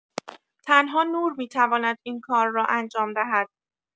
تنها نور می‌تواند این کار را انجام دهد